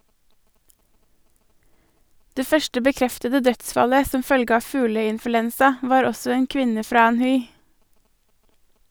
Det første bekreftede dødsfallet som følge av fugleinfluensa var også en kvinne fra Anhui.